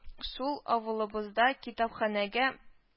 Шул, авылыбызда китапханәгә